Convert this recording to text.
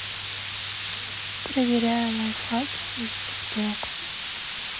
проверяю лайфхаки из тик тока